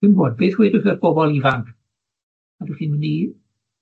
dwi'm yn gwbod, beth wedwch chi wrth bobol ifanc, ydach chi'n myn' i